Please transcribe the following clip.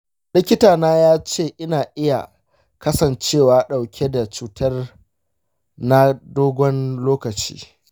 likitana ya ce ina iya kasancewa ɗauke da cutar na dogon lokaci.